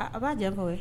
A b'a jan ka